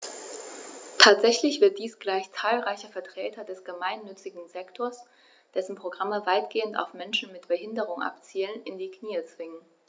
Tatsächlich wird dies gleich zahlreiche Vertreter des gemeinnützigen Sektors - dessen Programme weitgehend auf Menschen mit Behinderung abzielen - in die Knie zwingen.